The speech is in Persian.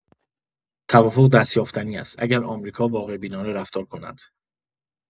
توافق دست‌یافتنی است اگر آمریکا واقع‌بینانه رفتار کند.